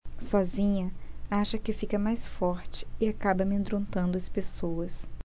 sozinha acha que fica mais forte e acaba amedrontando as pessoas